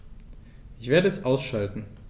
Ich werde es ausschalten